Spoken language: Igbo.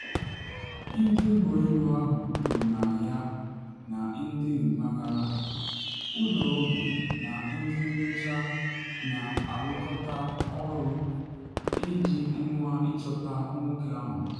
Ndị ụgbọ elu ahụ kwuru na ya na ndị mpaghara, ụlọ ọgwụ na ndị nyocha na arụkọta ọrụ iji nwaa ịchọta nwoke ahụ.